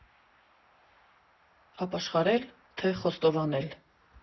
Ապաշխարե՞լ, թե՞ խոստովանել։